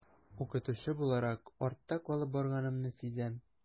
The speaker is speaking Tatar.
Укытучы буларак артта калып барганымны сизәм.